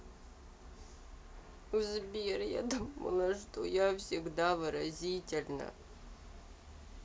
сбер я думала что я всегда выразительна